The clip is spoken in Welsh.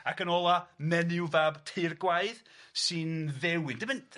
Ac yn ola, Menyw fab Teirgwaedd sy'n ddewin, dim yn